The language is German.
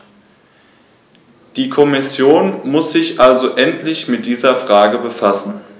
Die Kommission muss sich also endlich mit dieser Frage befassen.